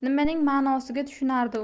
nimaning ma'nosiga tushunardi u